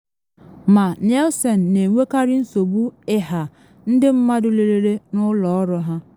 Ma Nielsen na enwekarị nsogbu ịha ndị mmadụ lelere n’ụlọ ọrụ ha.